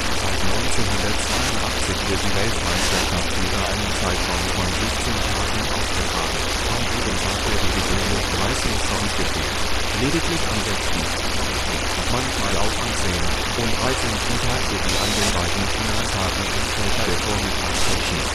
Seit 1982 wird die Weltmeisterschaft über einen Zeitraum von 17 Tagen ausgetragen. An jedem Tag werden gewöhnlich drei Sessions gespielt. Lediglich am 6., 9. (manchmal auch am 10.) und 13. Tag sowie an den beiden Finaltagen entfällt die Vormittags-Session